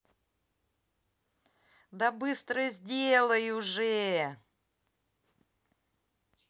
да быстро сделай уже